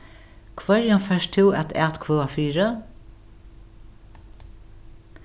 hvørjum fert tú at atkvøða fyri